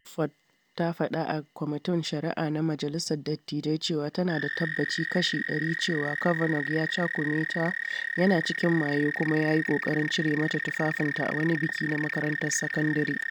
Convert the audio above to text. Ford ta faɗa a Kwamitin Shari’a na Majalisar Dattijai cewa tana da tabbaci kashi 100 cewa Kavanaugh ya cakume ta yana cikin maye kuma ya yi ƙoƙarin cire mata tufafinta a wani biki na makarantar sakandare.